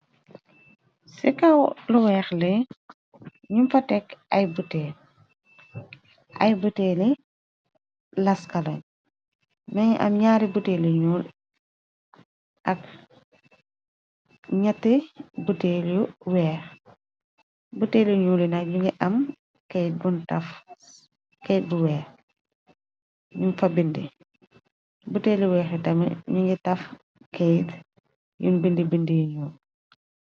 Ci kaw lu weex li ñum fa tekk ay buteeli laskaloñ nangi am ñaari buteel li ñul .Ak ñatti buteelyu weex butee li ñu li nak ñu ngi am keyt bu weex. Nyu fa bindi buteeli weexi tami ñu ngi taf keyt yun bindi-bind yi ñuul.